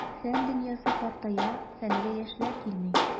Фән дөньясы картая, фәнгә яшьләр килми.